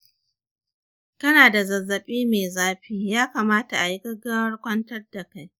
kanada zazzabi mai zafi yakamata ayi gaggawar kwantar dakai